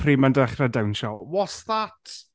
Pryd mae'n dechrau dawnsio What's that?